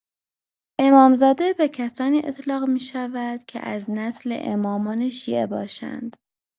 امامزاده به کسانی اطلاق می‌شود که از نسل امامان شیعه باشند.